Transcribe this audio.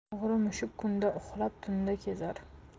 o'g'ri mushuk kunda uxlab tunda kezar